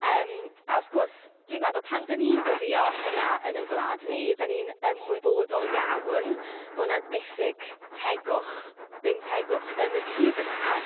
Yym, a wrth gwrs, dwi'n meddwl pan dan ni'n gweddïo hynna yn ein gwlad ni, dan ni'n ymwybodol iawn bod yna diffyg tegwch. Dim tegwch, yn y byd yma.